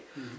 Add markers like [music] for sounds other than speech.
[hesitation] [hesitation]